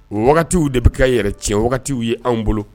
W de bɛ ka yɛrɛ tiɲɛ wagatiw ye anw bolo